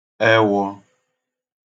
ewọ̄